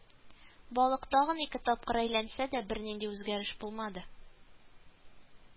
Балык тагын ике тапкыр әйләнсә дә, бернинди үзгәреш булмады